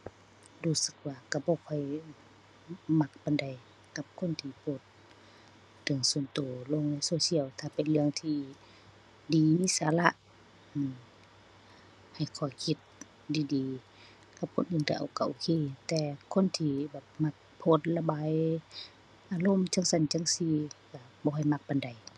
รู้สึกว่าก็บ่ค่อยมักปานใดกับคนที่โพสต์เรื่องส่วนก็ลงใน social ถ้าเป็นเรื่องที่ดี มีสาระ อืม ให้ข้อคิดดีดีกับคนอื่นก็เอาก็โอเค แต่คนที่ แบบ มักโพสต์ระบายอารมณ์จั่งซั้นจั่งซี้ ก็บ่ค่อยมักปานใด